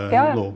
ja ja.